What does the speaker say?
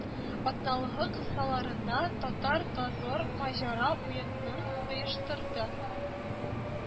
Атналыгы кысаларында татар дозор маҗара уенын оештырды